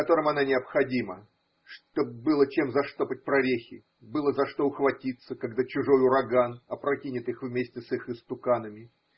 которым она необходима, чтоб было чем заштопать прорехи, было за что ухватиться, когда чужой ураган опрокинет их вместе с их истуканами.